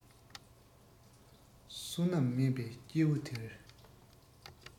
བསོད ནམས དམན པའི སྐྱེ བུ དེར